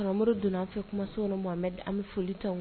Karamɔgɔ don an fɛ kuma so an bɛ foli ta